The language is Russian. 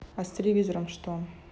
а с телевизором что